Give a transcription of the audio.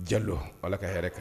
Jalo ala ka hɛrɛ kan